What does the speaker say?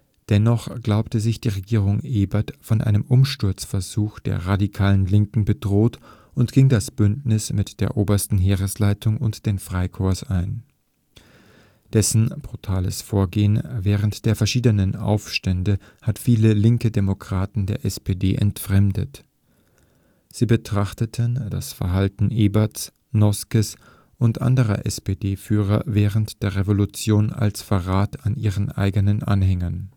Dennoch glaubte sich die Regierung Ebert von einem Umsturzversuch der radikalen Linken bedroht und ging das Bündnis mit der Obersten Heeresleitung und den Freikorps ein. Deren brutales Vorgehen während der verschiedenen Aufstände hat viele linke Demokraten der SPD entfremdet. Sie betrachteten das Verhalten Eberts, Noskes und anderer SPD-Führer während der Revolution als Verrat an ihren eigenen Anhängern